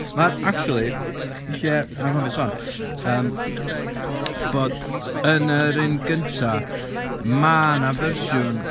Ma'... acshyli wnes i anghofio sôn yym bod yn yr un gyntaf, ma' 'na fersiwn...